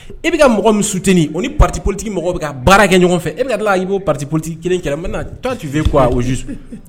E bɛ ka mɔgɔ min suteni o ni papolitigi mɔgɔ bɛ baara kɛ ɲɔgɔn fɛ i b'optigi kelen kɛlɛ bɛ da tun fɛ kuwa oju